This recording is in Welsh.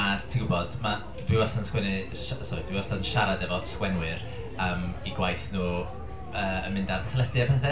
A ti'n gwybod, ma'... dw i wastad yn sgwennu... Sori, dwi wastad yn siarad efo sgwennwyr, yym eu gwaith nhw, yy yn mynd ar teledu a pethe